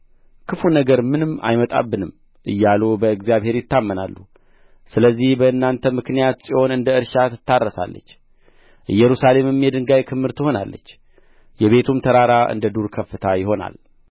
ክፉ ነገር ምንም አይመጣብንም እያሉ በእግዚአብሔር ይታመናሉ ስለዚህ በእናንተ ምክንያት ጽዮን እንደ እርሻ ትታረሳለች ኢየሩሳሌምም የድንጋይ ክምር ትሆናለች የቤቱም ተራራ እንደ ዱር ከፍታ ይሆናል